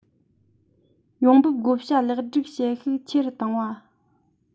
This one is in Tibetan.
ཡོང འབབ བགོ བཤའ ལེགས སྒྲིག བྱེད ཤུགས ཆེ རུ བཏང བ